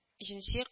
Җенси